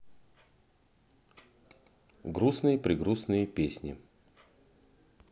грустные прегрустные песни